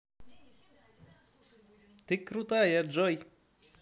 ты крутая джой